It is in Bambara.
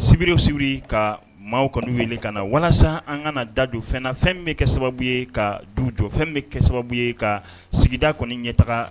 sibiri siri ka maaw kanu wele ka na walasa an kana da don fɛn na fɛn bɛ kɛ sababu ye ka du jɔ fɛn bɛ kɛ sababu ye ka sigida kɔni ɲɛta